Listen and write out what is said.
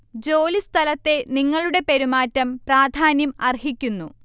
ജോലി സ്ഥലത്തെ നിങ്ങളുടെ പെരുമാറ്റം പ്രാധാന്യം അർഹിക്കുന്നു